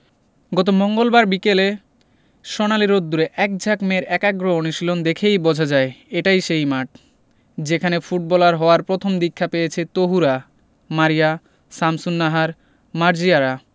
গত মঙ্গলবার বিকেলে সোনালি রোদ্দুরে একঝাঁক মেয়ের একাগ্র অনুশীলন দেখেই বোঝা যায় এটাই সেই মাঠ যেখানে ফুটবলার হওয়ার প্রথম দীক্ষা পেয়েছে তহুরা মারিয়া শামসুন্নাহার মার্জিয়ারা